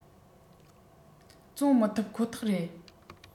བཙོང མི ཐུབ ཁོ ཐག རེད